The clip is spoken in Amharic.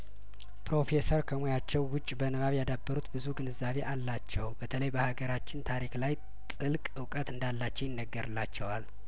ፕሮፌሰር ከሙያቸው ውጪ በንባብ ያዳበሩት ብዙ ግንዛቤ አላቸው በተለይ በሀገራችን ታሪክ ላይ ጥልቅ እውቀት እንዳላቸው ይነገርላቸዋል